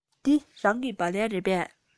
འདི རང གི སྦ ལན རེད པས